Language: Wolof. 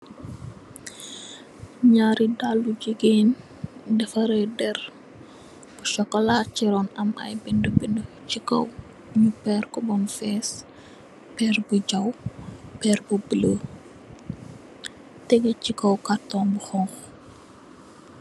Naari daal lu jigéen, defarè derr, sokola chi ron. Am ay bindu-bindu chi kaw nu pèrr KO bam fès. Pèrr bu jaw, pèr bu bulo tégé chi kaw carton bu honku.